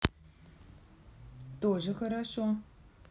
тоже хорошо